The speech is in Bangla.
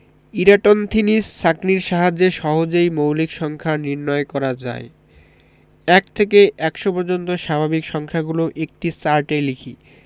ইরাটোন্থিনিস ছাঁকনির সাহায্যে সহজেই মৌলিক সংখ্যা নির্ণয় করা যায় ১ থেকে ১০০ পর্যন্ত স্বাভাবিক সংখ্যাগুলো একটি চার্টে লিখি